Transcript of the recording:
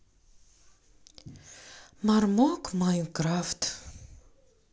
мармок майнкрафт